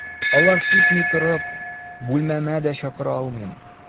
Алар китми торып, бүлмәмә дә чакыра алмыйм.